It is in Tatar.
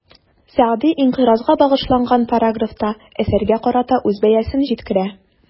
Сәгъди «инкыйраз»га багышланган параграфта, әсәргә карата үз бәясен җиткерә.